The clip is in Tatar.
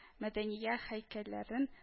Мәдәния һәйкәлләрен